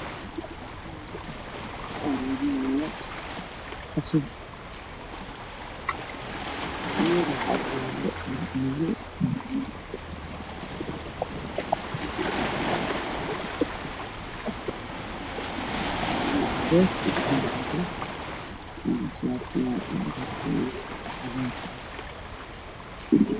Waxaa ii muuqda meel bannaan waxaa taagan niman waxay qaadayaan ciid jawaano ay ku qaadayaan shaati cagaaran ciid ayaa ka dambeeyo